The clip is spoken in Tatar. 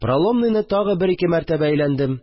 Проломныйны тагы бер-ике мәртәбә әйләндем